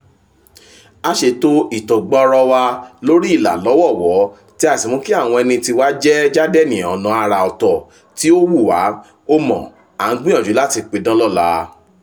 A ṣètò ìtọ̀ gbọorọ̀ wa lórí ìlà lọ́wọ̀ọ̀wọ́ tí a sí mú kí àwọn ẹni tiwa jẹ́ jádení ọ̀nà àrà ọ̀tọ̀ tí ó wù wá, o mọ̀, a ń gbìyànjú láti pidán lọla."